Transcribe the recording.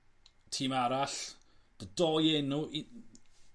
Tîm arall d- doi enw i